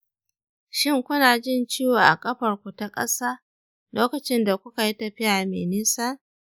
shin, kuna jin ciwo a ƙafar ku ta ƙasa lokacin da kuka yi tafiya mai nisa?